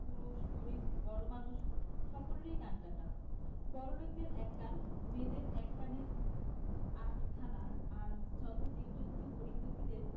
পুরুষ গরিব বড়োমানুয সকলেরই কান কাটা বড়োলোকদের এক কান মেয়েদের এক কানের আধখানা আর যত জীবজন্তু গরিব দুঃখীদের